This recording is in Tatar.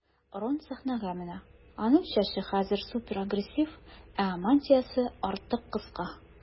Рон сәхнәгә менә, аның чәче хәзер суперагрессив, ә мантиясе артык кыска.